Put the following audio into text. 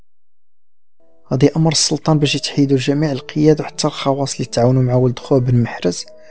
هذه عمر السلطان بشهيد وجميع القياده احترق واصل التعاون مع ولد اخوه بن محرز